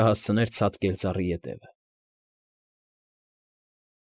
Կհասցներ ցատկել ծառի ետևը։